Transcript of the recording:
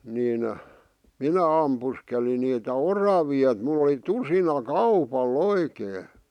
niin minä ammuskelin niitä oravia että minulla oli tusinakaupalla oikein